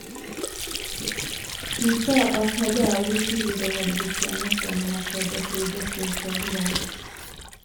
Hun sa at Hedda aldri tidligere hadde bodd hjemmefra, men at Hedda trivdes i Sogndal.